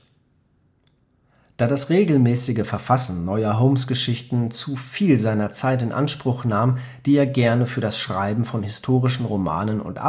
das regelmäßige Verfassen neuer Holmes-Geschichten zu viel seiner Zeit in Anspruch nahm, die er gerne für das Schreiben von historischen Romanen